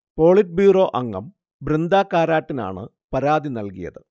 politburo അംഗം ബൃന്ദാ കാരാട്ടിനാണ് പരാതി നൽകിയത്